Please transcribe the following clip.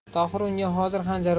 tohir unga hozir xanjar